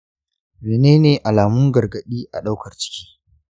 menene alamun gargadi a daukar ciki